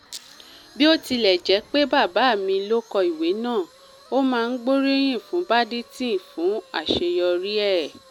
Bí ó tilẹ̀ jẹ́ pé bàbá mi ló kọ ìwé náà, ó máa n gbóríyìn fún Paddington fún àṣeyọrí ẹ̀.”